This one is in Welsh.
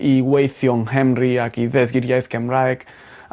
i weithio yng Nghemru ac i ddysgu'r iaith Cymraeg.